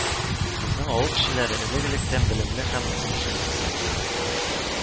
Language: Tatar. Безнең авыл кешеләре элекэлектән белемле һәм укымышлы булган